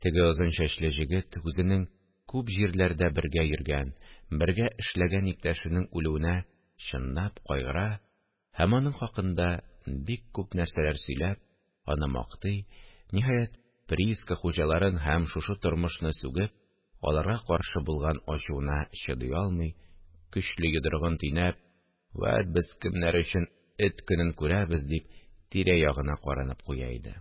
Теге озын чәчле җегет үзенең күп җирләрдә бергә йөргән, бергә эшләгән иптәшенең үлүенә чынлап кайгыра һәм аның хакында бик күп нәрсәләр сөйләп, аны мактый, ниһаять, прииска хуҗаларын һәм шушы тормышны сүгеп, аларга каршы булган ачуына чыдый алмый, көчле йодрыгын төйнәп: – Вәт без кемнәр өчен эт көнен күрәбез! – дип, тирә-ягына каранып куя иде